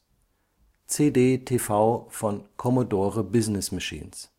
CDTV von Commodore Business Machines